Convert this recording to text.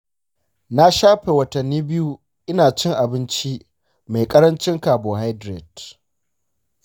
na shafe watanni biyu ina cin abinci mai ƙarancin carbohydrates.